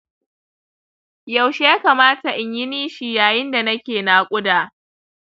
yaushe ya kamata inyi nishi yayin da nake naƙuda